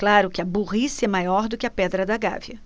claro que a burrice é maior do que a pedra da gávea